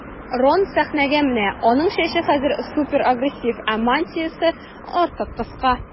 Рон сәхнәгә менә, аның чәче хәзер суперагрессив, ә мантиясе артык кыска.